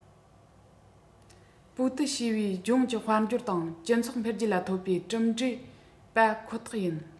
པའོ ཏི ཞེས པའི ལྗོངས ཀྱི དཔལ འབྱོར དང སྤྱི ཚོགས འཕེལ རྒྱས ལ ཐོབ པའི གྲུབ འབྲས པ ཁོ ཐག ཡིན